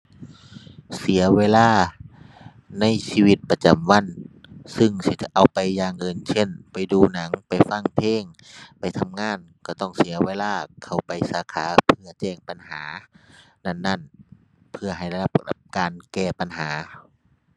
เสียเวลาในชีวิตประจำวัน ซึ่งสิถ้าเอาไปอย่างอื่น เช่น ไปดูหนัง ไปฟังเพลง ไปทำงาน ก็ต้องเสียเวลาเข้าไปสาขาเพื่อแจ้งปัญหานั้นนั้น เพื่อให้ได้รับ การแก้ปัญหา